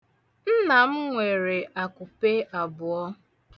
Nna m nwere akupe abụọ.